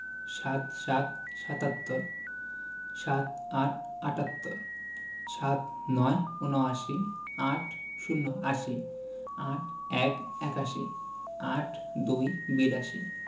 ৭৭ – সাত্তর ৭৮ – আটাত্তর ৭৯ – উনআশি ৮০ - আশি ৮১ – একাশি ৮২ – বিরাশি